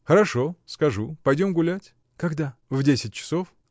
— Хорошо, скажу: пойдем гулять. — Когда? — В десять часов.